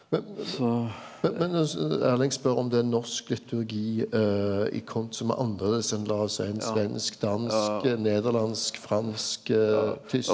men men men altså Erling spør om det er norsk liturgi i i som er annleis enn la oss seie ein svensk dansk nederlandsk fransk tysk.